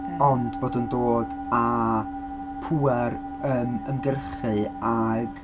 Ond bod o'n dod â pŵer yym ymgyrchu ac...